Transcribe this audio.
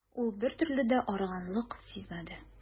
Ул бертөрле дә арыганлык сизмәде.